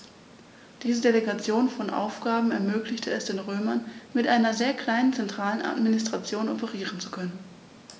Diese Delegation von Aufgaben ermöglichte es den Römern, mit einer sehr kleinen zentralen Administration operieren zu können.